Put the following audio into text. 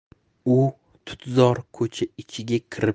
u tutzor ko'cha ichiga kirib